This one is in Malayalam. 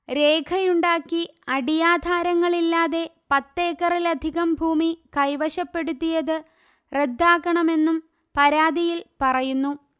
രേഖയുണ്ടാക്കി അടിയാധാരങ്ങളില്ലാതെ പത്തേക്കറിലധികം ഭൂമി കൈവശപ്പെടുത്തിയത് റദ്ദാക്കണമെന്നും പരാതിയിൽ പറയുന്നു